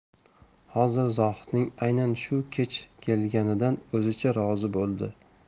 hozir zohidning aynan shu kech kelganidan o'zicha rozi bo'ldi